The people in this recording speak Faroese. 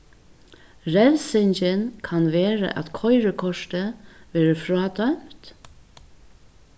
revsingin kann vera at koyrikortið verður frádømt